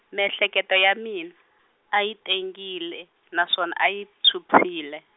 miehleketo ya mina, a yi tengile naswona a yi phyuphyile.